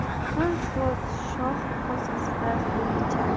shirin so'zh shoh kosasida suv ichar